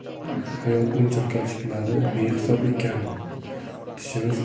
hayotning chalkashliklari behisob ekan tishimiz